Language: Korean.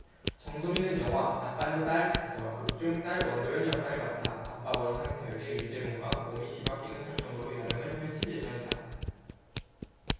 정소민은 영화 아빠는 딸에서 극 중 딸 원도연 역할을 맡아 아빠 원상태 역의 윤제문과 몸이 뒤바뀌는 설정으로 열연을 펼칠 예정이다